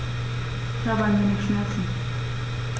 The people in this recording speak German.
Ich habe ein wenig Schmerzen.